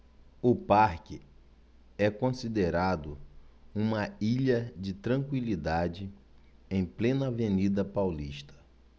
o parque é considerado uma ilha de tranquilidade em plena avenida paulista